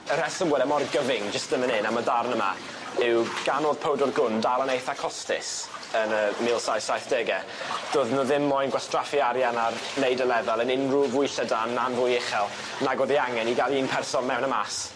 Y rheswm wedd e mor gyfyng jyst yn fyn 'yn am y darn yma yw gan o'dd powdor gwn dal yn eitha costus yn y mil saith saith dege do'dd nw ddim moyn gwastraffu arian ar neud y lefel yn unryw fwy llydan na'n fwy uchel nag o'dd ei angen i ga'l un person mewn a mas.